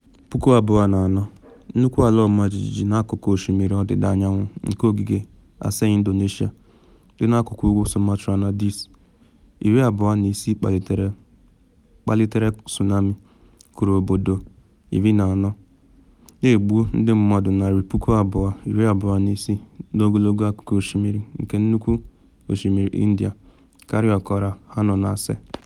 2004: Nnukwu ala ọmajiji n’akụkụ osimiri ọdịda anyanwụ nke ogige Aceh Indonesia dị n’akụkụ ugwu Sumatra na Dis. 26 kpalitere tsunami kụrụ obodo 14, na egbu ndị mmadụ 226,000 n’ogologo akụkụ osimiri nke Nnukwu Osimiri India, karịa ọkara ha nọ na Aceh.